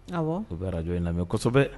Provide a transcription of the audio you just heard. Aw u bɛj in lamɛn mɛ kosɛbɛ